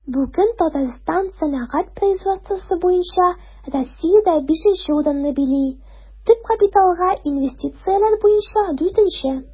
Бүген Татарстан сәнәгать производствосы буенча Россиядә 5 нче урынны били, төп капиталга инвестицияләр буенча 4 нче.